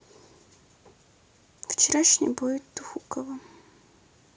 вчерашний бой тухугова